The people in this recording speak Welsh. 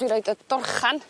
dwi roid y dorchan